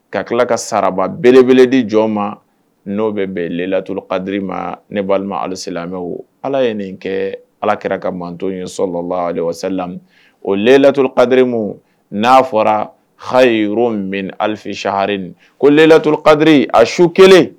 Ka tila ka saraba belebeledi jɔn ma n'o bɛ bɛn laturu kadiri ma ne' halisela mɛ ala ye nin kɛ ala kɛra ka manto ye sɔrɔ lam o laturu kadrimu n'a fɔra hayi yɔrɔ bɛ ali sa ha ko laturu kadiri a su kelen